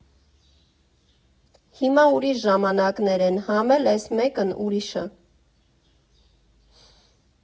Հիմա ուրիշ ժամանակներ են, համ էլ էս մեկն ուրիշ ա։